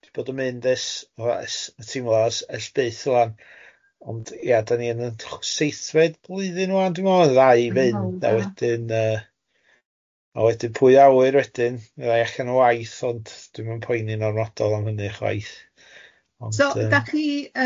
Dwi'n bod yn mynd es es tibo ers byth rwan, ond ia da ni yn y seithfed blwydyn rwan dwi 'n meddwl a dau i fynd a wedyn yy a pwy a wyr wedyn fyddai allan o waith ond dwi'm yn poeni yn ormodol am hyny chwaith. So da chi yn